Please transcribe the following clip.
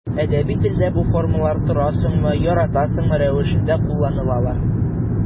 Әдәби телдә бу формалар торасыңмы, яратасыңмы рәвешендә кулланылалар.